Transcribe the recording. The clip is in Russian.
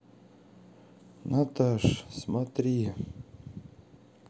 наташ смотри